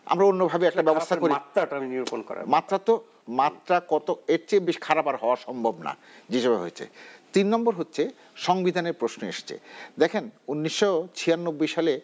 আমরা অন্যভাবে একটা ব্যবস্থা করি সেই খারাপের মাত্রা টা নিরূপণ করার ব্যাপারে মাত্রা তো কতোটা এর চেয়ে খারাপ আর হওয়া সম্ভব না তিন নম্বর হচ্ছে সংবিধানের প্রশ্ন এসেছে দেখেন ১৯৯৬ সালে